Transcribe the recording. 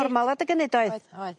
...normal adeg ynny doedd? Oedd oedd.